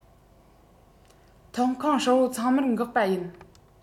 ཐོག ཁང ཧྲིལ བོ ཚང མར འགག པ ཡིན